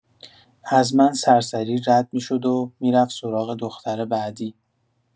از من سرسری رد می‌شد و می‌رفت سراغ دختر بعدی.